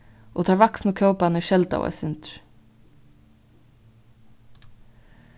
og teir vaksnu kóparnir skeldaðu eitt sindur